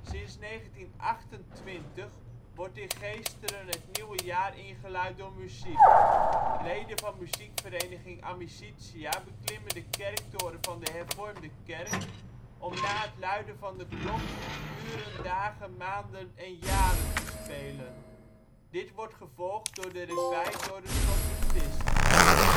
Sinds 1928 wordt in Geesteren het nieuwe jaar ingeluid door muziek. Leden van muziekvereniging Amicitia beklimmen de kerktoren van de Hervormde kerk om na het luiden van de klok ' uren, dagen, maanden en jaren ' te spelen. Dit wordt gevolgd door de reveille door een trompettist.